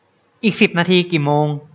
อีกสิบนาทีกี่โมง